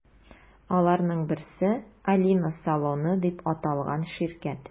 Аларның берсе – “Алина салоны” дип аталган ширкәт.